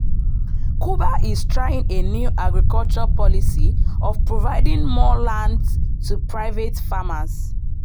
Cuba is trying a new agriculture policy of providing more land to private farmers.